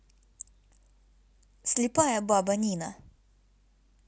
слепая баба нина